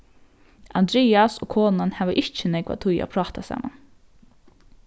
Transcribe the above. andreas og konan hava ikki nógva tíð at práta saman